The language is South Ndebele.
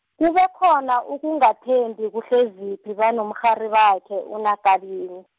kube khona ukungathembi, kuHleziphi banomrharibakhe uNaKabini.